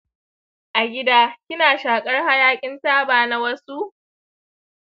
a gida, kina shakar hayakin taba na wasu?